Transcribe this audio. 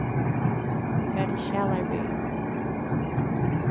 far til skjalarbyrjan